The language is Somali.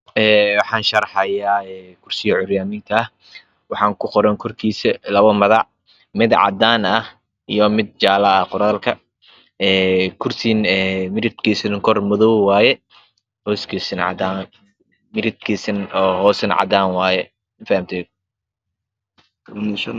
Ee waxaan sharxayaa kursiga curyaamiinta waxaa Ku qoran korkiisna labo macag mid cadaan ah iyo jaale ah qoraalka ee kursiga midabkiisa kor madow hooskiisa h midabkiisa hoose cadaan waaye ma fahanteen